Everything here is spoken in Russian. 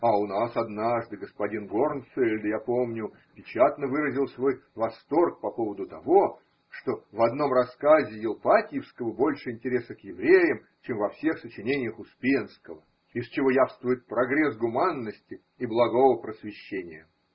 А у нас однажды господин Горнфельд, я помню, печатно выразил свой восторг по поводу того, что в одном рассказе Елпатьевского больше интереса к евреям, чем во всех сочинениях Успенского, – из чего явствует прогресс гуманности и благого просвещения.